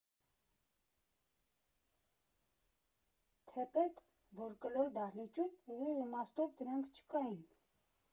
Թեպետ, որ կլոր դահլիճում ուղիղ իմաստով դրանք չկային։